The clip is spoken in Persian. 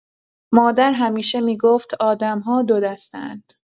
مادر همیشه می‌گفت: آدم‌ها دو دسته‌اند؛